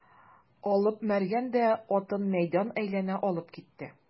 Алып Мәргән дә атын мәйдан әйләнә алып китте.